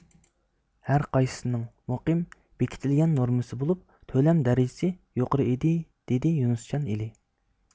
ھەرقايسىسىنىڭ مۇقىم بېكىتىلگەن نورمىسى بولۇپ تۆلەم دەرىجىسى يۇقىرى ئىدى دېدى يۈنۈسجان ئېلى